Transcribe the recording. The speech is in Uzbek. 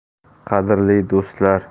qadrli do'stlar